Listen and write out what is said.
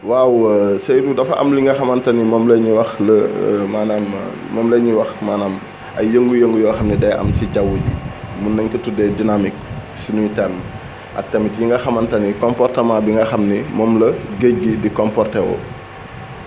waaw Seydou dafa am li nga xamante ni moom la ñuy wax le maanaam moom la ñuy wax maanaam ay yëngu-yëngu yoo xam ni day am si jawwu ji mën nañu ko tuddee dynamique suñuy termes ak tamit li nga xamante ni comportement bi nga xam ni moom la géej gi di comporté woo